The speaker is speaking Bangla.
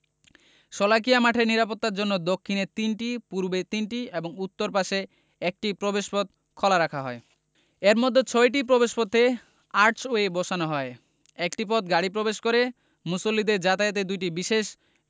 শোলাকিয়া মাঠের নিরাপত্তার জন্য দক্ষিণে তিনটি পূর্বে তিনটি এবং উত্তর পাশে একটি প্রবেশপথ খোলা রাখা হয় এর মধ্যে ছয়টি প্রবেশপথে আর্চওয়ে বসানো হয় একটি পথ গাড়ি প্রবেশ করে মুসল্লিদের যাতায়াতে দুটি বিশেষ